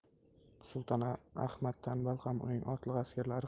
sulton ahmad tanbal ham uning otliq askarlari